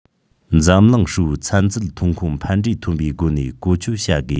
འཛམ གླིང ཧྲིལ པོའི ཚན རྩལ ཐོན ཁུངས ཕན འབྲས ཐོན པའི སྒོ ནས བཀོལ སྤྱོད བྱ དགོས